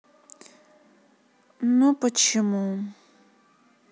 ну почему